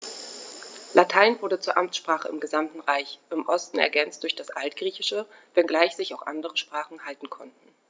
Latein wurde zur Amtssprache im gesamten Reich (im Osten ergänzt durch das Altgriechische), wenngleich sich auch andere Sprachen halten konnten.